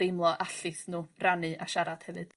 deimlo allith nw rannu a siarad hefyd.